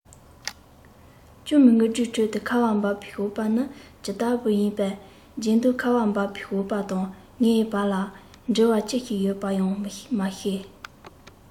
གཅུང མོའི ངུ སྒྲའི ཁྲོད དུ ཁ བ བབས པའི ཞོགས པ ནི ཅི ལྟ བུར ཡིན པ བརྗེད འདུག ཁ བ བབས པའི ཞོགས པ དང ངའི བར ལ འབྲེལ བ ཅི ཞིག ཡོད པ ཡང མ ཤེས